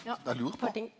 ja par ting.